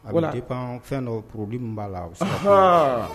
A bɛ i pan fɛn dɔ porobi b'a la